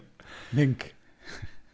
Minc.